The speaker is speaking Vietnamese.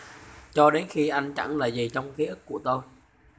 cho đến khi anh chẳng là gì trong ký ức của tôi